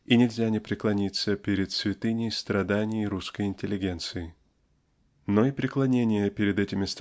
и нельзя не преклониться перед святыней страданий русской интеллигенции. Но и преклонение перед этими